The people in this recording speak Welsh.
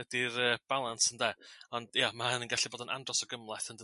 ydi'r e balans ynde? Ond ia ma' hynny yn gallu fod yn andros o gymhleth yn dydi?